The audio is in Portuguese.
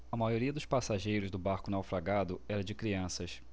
a maioria dos passageiros do barco naufragado era de crianças